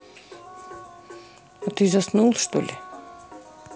а ты заснул что ли